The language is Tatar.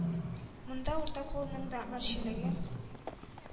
Монда уртакуллының да гарьчеллеге,